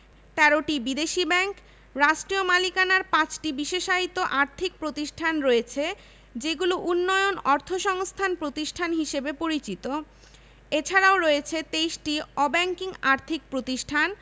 ১৩টি বিদেশী ব্যাংক রাষ্ট্রীয় মালিকানার ৫টি বিশেষায়িত আর্থিক প্রতিষ্ঠান রয়েছে যেগুলো উন্নয়ন অর্থসংস্থান প্রতিষ্ঠান হিসেবে পরিচিত এছাড়াও রয়েছে ২৩টি অব্যাংকিং আর্থিক প্রতিষ্ঠান